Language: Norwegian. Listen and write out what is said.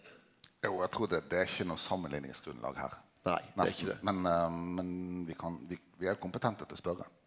jo eg trur det det er ikkje noko samanlikningsgrunnlag her men men vi kan vi vi er kompetente til å spørje.